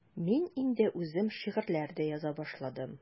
Мин инде үзем шигырьләр дә яза башладым.